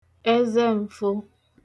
ẹzẹmfo